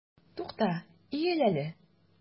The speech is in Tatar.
Тукта, иел әле!